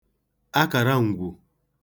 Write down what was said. akàra ǹgwù